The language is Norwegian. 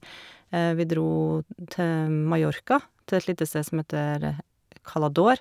Vi dro til Mallorca, til et lite sted som heter Cala d'Or.